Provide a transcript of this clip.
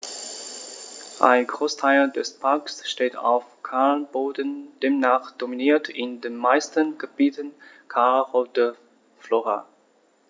Ein Großteil des Parks steht auf Kalkboden, demnach dominiert in den meisten Gebieten kalkholde Flora.